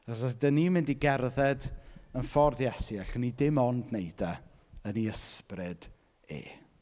Os os dan ni'n mynd i gerdded yn ffordd Iesu allwn ni dim ond wneud e yn ei ysbryd e.